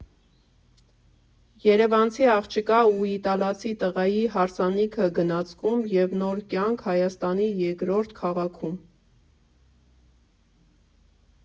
Երևանցի աղջկա ու իտալացի տղայի հարսանիքը գնացքում և նոր կյանքը Հայաստանի երկրորդ քաղաքում։